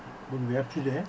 Ɓuri weeɓtude heen